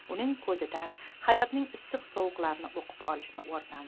uning ko'zidan hayotning issiq sovuqlarini o'qib olishni o'rgandi